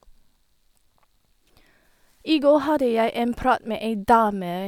I går hadde jeg en prat med ei dame.